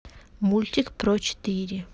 мультик про четыре